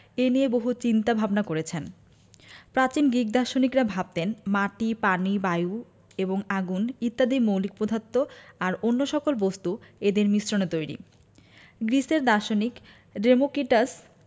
এ নিয়ে বহু চিন্তা ভাবনা করেছেন প্রাচীন গ্রিক দার্শনিকরা ভাবতেন মাটি পানি বায়ু এবং আগুন ইত্যাদি মৌলিক পদার্থ আর অন্য সকল বস্তু এদের মিশ্রণে তৈরি গ্রিসের দার্শনিক ডেমোকিটাস